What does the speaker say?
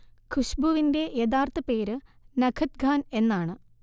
ഖുശ്ബുവിന്റെ യഥാർഥ പേര് നഖത് ഖാൻ എന്നാണ്